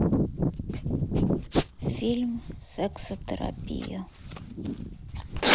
фильм сексотерапия